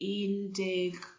un deg